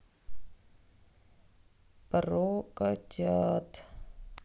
про котят